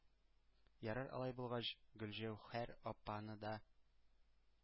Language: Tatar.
Ярар алай булгач, Гөлҗәүһәр апаны да